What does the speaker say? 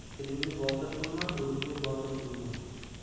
tilingni botir qilma o'zingni botil qilma